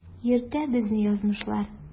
Йөртә безне язмышлар.